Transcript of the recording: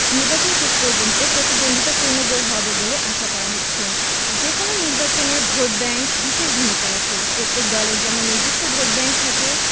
নির্বাচন শেষ পর্যন্ত প্রতিদ্বন্দ্বিতাপূর্ণ হবে বলে আশা করা হচ্ছে যেকোনো নির্বাচনে ভোটব্যাংক বিশেষ ভূমিকা রাখে প্রত্যেক দলের যেমন নিজস্ব ভোটব্যাংক থাকে